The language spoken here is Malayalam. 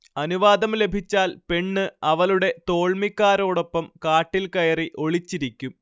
അനുവാദം ലഭിച്ചാൽ പെണ്ണ് അവളുടെ തോൾമിക്കാരോടൊപ്പം കാട്ടിൽകയറി ഒളിച്ചിരിക്കും